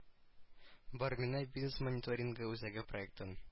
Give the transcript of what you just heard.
Бармина бизнес мониторингы үзәге проектын